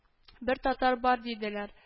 — бер татар бар, диделәр